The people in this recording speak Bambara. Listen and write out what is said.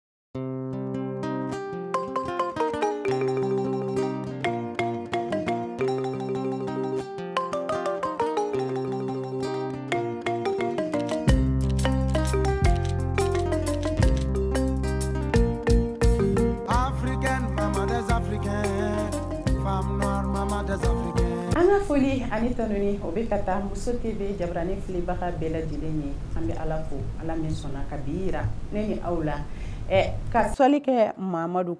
Faf fa mama mamada an foli ani ta o bɛ ka taa musotigi bɛ jara ni filibaga bɛɛ lajɛlen ye an bɛ ala fo ala min sɔnna ka bi jira ne aw la ka selili kɛ